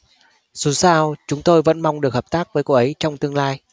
dù sao chúng tôi vẫn mong được hợp tác với cô ấy trong tương lai